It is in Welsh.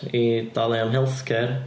I dalu am healthcare.